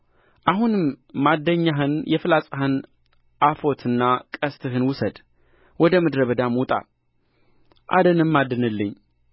አሁንም ማደኛህን የፍላጻህን አፎትና ቀስትህን ውሰድ ወደ ምድረ በዳም ውጣ አደንም አድንልኝ